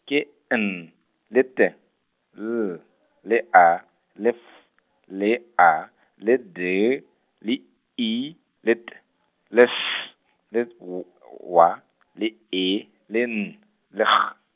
ke N, le T, L le A , le F, le A, le D, le I, le T, le S, le W , W le E, le N, le G.